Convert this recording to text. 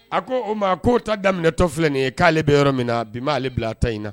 A ko o ma k'o ta daminɛtɔ filɛ nin ye k'ale bɛ yɔrɔ min na bi m'ale bila a ta in na